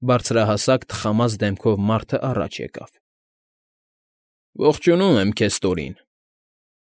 Բարձրահասկան, թխամազ դեմքով մարդն առաջ եկավ։ ֊ Ողջունում եմ քեզ, Տորին։